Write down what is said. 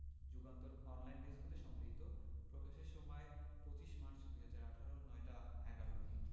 Jugantor online desk হতে সংগৃহীত প্রকাশের সময় ২৫ মার্চ ২০১৮ ৯ টা ১১ মিনিট